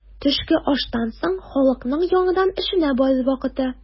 Төшке аштан соң халыкның яңадан эшенә барыр вакыты.